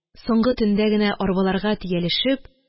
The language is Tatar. Соңгы төндә генә арбаларга төялешеп